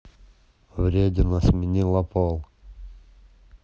вредина сменила пол